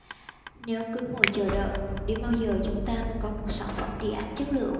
nếu cứ ngồi chờ đợi đến bao giờ chúng ta mới có một sản phẩm điện ảnh chất lượng